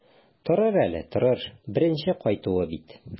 Торыр әле, торыр, беренче кайтуы бит.